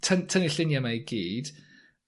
yn- tynnu'r llunie 'ma i gyd